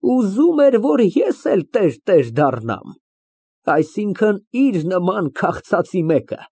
Ուզում էր, որ ես էլ տերտեր դառնամ, այսինքն՝ իր նման քաղցածի մեկը։